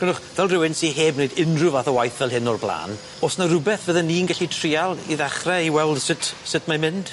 Granwch fel rywun sy heb neud unryw fath o waith fel hyn o'r bla'n o's 'na rwbeth fydden i'n gallu trial i ddechre i weld sut sut mae'n mynd?